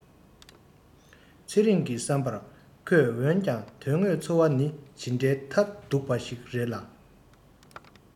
ཚེ རིང གི བསམ པར ཁོས འོན ཀྱང དོན དངོས འཚོ བ ནི ཇི འདྲའི ཐབས སྡུག པ ཞིག རེད